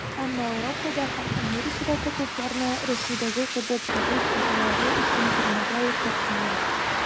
Әмма Ауропада һәм Америкада табибларны, Рәсәйдәге кебек, табиб хаталары өчен төрмәгә утыртмыйлар.